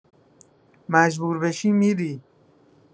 مجبور بشی می‌ری